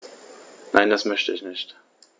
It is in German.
Nein, das möchte ich nicht.